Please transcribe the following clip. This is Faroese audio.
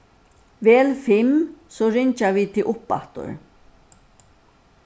vel fimm so ringja vit teg uppaftur